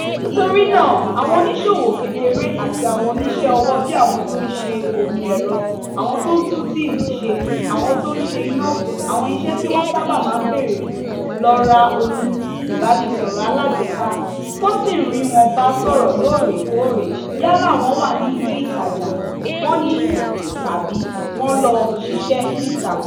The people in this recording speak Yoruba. Nítorí náà, àwọn oníṣòwò kékeré àti àwọn oníṣẹ́ ọwọ́ bí àwọ́n tó ń ṣe omi ẹ̀rọ / àwọn tó ń tún TV ṣe / àwọn tó ń se iná (àwọn iṣẹ́ tí wọ́n sábà máa bèrè fún) lọ ra ohun ìbánisọ̀rọ̀ alágbéká, wọ́n sì ń rí wọn bá sọ̀rọ̀ lore-kóòrè yálà wọ́n wà ní ilé ìtajà wọn ni tàbí wọn lọ ṣiṣẹ́ níta.